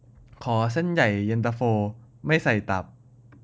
ขอเส้นใหญ่เย็นตาโฟไม่ใส่ตับ